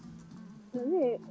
min